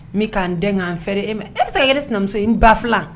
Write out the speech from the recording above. N bɛ ka n dɛn n ka fɛrɛ e ma.E bɛ se ka kɛ ne sinamuso ye? N ba filan